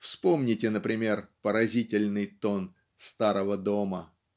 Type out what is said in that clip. вспомните, например, поразительный тон "Старого дома".